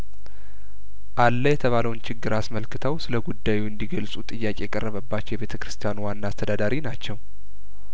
አለየተባለውን ችግር አስመልክተው ስለጉዳዩ እንዲገልጹ ጥያቄ የቀረበባቸው የቤተ ክርስቲያኑ ዋና አስተዳዳሪ ናቸው